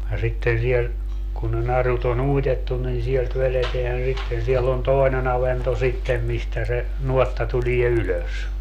ja sitten siellä kun ne narut on uitettu niin sieltä vedetään sitten siellä on toinen avanto sitten mistä se nuotta tulee ylös